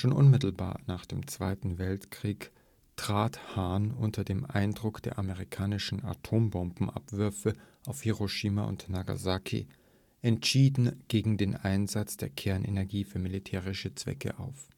unmittelbar nach dem Zweiten Weltkrieg trat Hahn unter dem Eindruck der amerikanischen Atombombenabwürfe auf Hiroshima und Nagasaki entschieden gegen den Einsatz der Kernenergie für militärische Zwecke auf